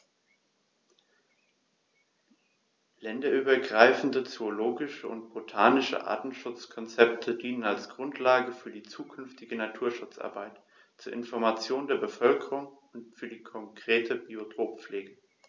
Länderübergreifende zoologische und botanische Artenschutzkonzepte dienen als Grundlage für die zukünftige Naturschutzarbeit, zur Information der Bevölkerung und für die konkrete Biotoppflege.